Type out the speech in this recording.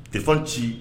T ci